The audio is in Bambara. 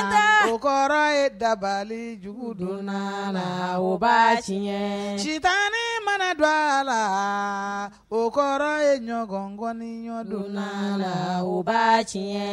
nta o kɔrɔ ye dabalijugu don a la ba tiɲɛ cita ne mana don a la o kɔrɔ ye ɲɔgɔnkɔni ɲɔgɔndon la la ba tiɲɛ